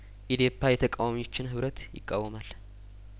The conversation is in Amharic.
ኢዴፓ የተቃዋሚዎችን ህብረት ይቃወ ማል